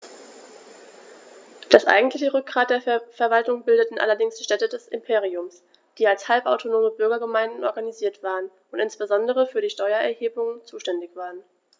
Das eigentliche Rückgrat der Verwaltung bildeten allerdings die Städte des Imperiums, die als halbautonome Bürgergemeinden organisiert waren und insbesondere für die Steuererhebung zuständig waren.